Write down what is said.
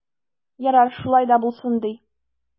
Ярар, шулай да булсын ди.